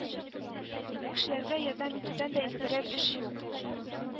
Кешеләргә ярдәм итүдән дә изгерәк эш юк